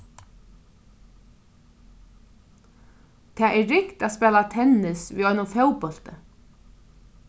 tað er ringt at spæla tennis við einum fótbólti